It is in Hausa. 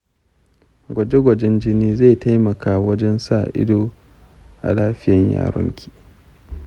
gwaje gwajen jini zai taimaka wajen sa ido a lafiyan yaron ki.